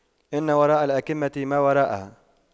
إن وراء الأَكَمةِ ما وراءها